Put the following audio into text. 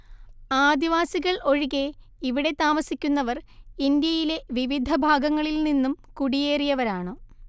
ആദിവാസികൾ ഒഴികെ ഇവിടെ താമസിക്കുന്നവർ ഇന്ത്യയിലെ വിവിധ ഭാഗങ്ങളില്‍ നിന്നും കുടിയേറിയവരാണ്‌